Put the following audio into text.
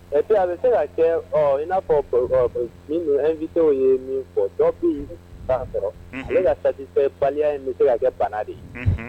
Ɛ a bɛ se ka kɛ in'a fɔ bitw ye min fɔ dɔfin ba sɔrɔ ale ka saya in bɛ se ka kɛ bana de ye